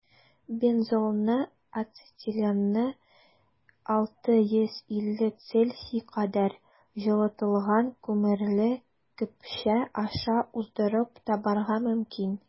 Бензолны ацетиленны 650 С кадәр җылытылган күмерле көпшә аша уздырып табарга мөмкин.